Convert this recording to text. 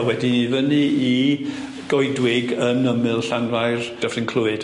A wedyn i fyny i goedwig yn ymyl Llanfair Dyffryn Clwyd.